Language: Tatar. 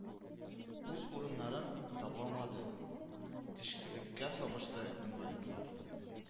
Үз урыннарын табалмады эчкечелеккә сабышты, инвалидлар